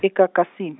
eGagasini.